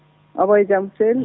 omo e jam selli